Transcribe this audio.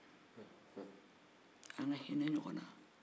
an ka hinɛ ɲɔgɔn na